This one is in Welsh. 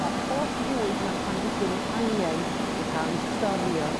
ma'r holl fwyd ma'r planhigyn 'i angen yn ca'l 'i storio